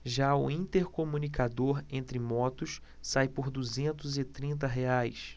já o intercomunicador entre motos sai por duzentos e trinta reais